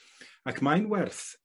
Ac mae'n werth